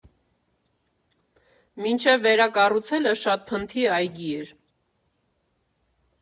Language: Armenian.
Մինչև վերակառուցելը շատ փնթի այգի էր։